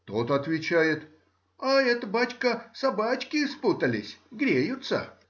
Тот отвечает: — А это, бачка, собачки спутались — греются.